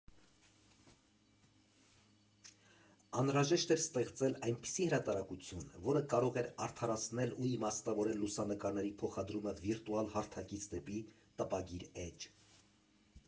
Անհրաժեշտ էր ստեղծել այնպիսի հրատարակություն, որը կարող էր արդարացնել ու իմաստավորել լուսանկարների փոխադրումը վիրտուալ հարթակից դեպի տպագիր էջ։